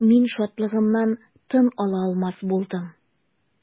Мин шатлыгымнан тын ала алмас булдым.